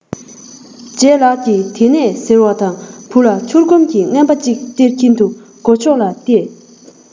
ལྗད ལགས ཀྱིས དེ ནས ཟེར བ དང བུ ལ ཕྱུར སྐོམ གྱི བརྔན པ གཅིག སྟེར གྱིན དུ སྒོ ཕྱོགས ལ བལྟས